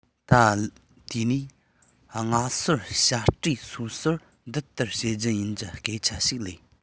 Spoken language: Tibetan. ད དེས ན སྔ སོར བྱ སྤྲེལ སོ སོར འདི ལྟར བྱེད རྒྱུ ཡིན གྱི སྐད ཆ ཞིག ལབ